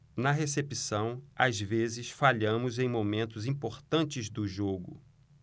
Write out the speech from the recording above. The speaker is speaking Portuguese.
na recepção às vezes falhamos em momentos importantes do jogo